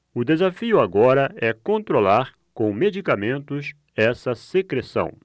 o desafio agora é controlar com medicamentos essa secreção